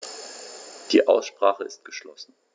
Die Aussprache ist geschlossen.